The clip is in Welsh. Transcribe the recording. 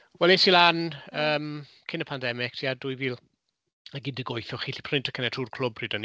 Wel es i lan yym cyn y pandemig tua dwy fil ag un deg wyth . O'ch chi'n gallu prynu tocynnau trwy'r clwb pryd hynny.